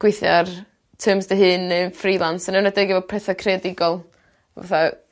gweithio ar terms dy hun ne'n freelance yn enwedig efo petha creadigol fatha